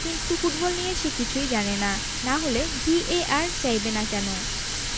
কিন্তু ফুটবল নিয়ে সে কিছুই জানে না না হলে ভিএআর চাইবে না কেন